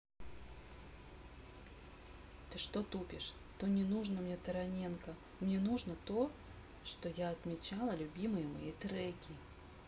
ты что тупишь то не нужно мне тараненко мне нужно то что я отмечала любимые мои треки